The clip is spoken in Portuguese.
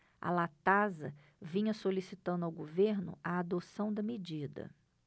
a latasa vinha solicitando ao governo a adoção da medida